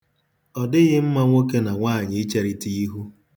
Ọ dịghị mma nwoke na nwaanyị icherịta ihu.